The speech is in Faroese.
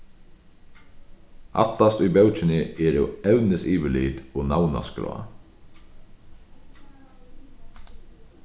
aftast í bókini eru evnisyvirlit og navnaskrá